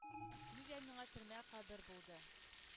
Нигә миңа төрмә кабер булды,